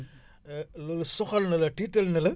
loolu soxla na la tiital na la